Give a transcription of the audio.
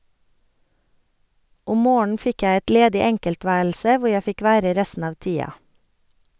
Om morgenen fikk jeg et ledig enkeltværelse hvor jeg fikk være resten av tida.